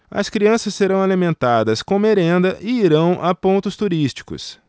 as crianças serão alimentadas com merenda e irão a pontos turísticos